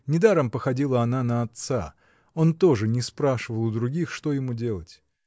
Недаром походила она на отца: он тоже не спрашивал у других, что ему делать.